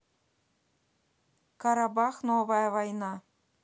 карабах новая война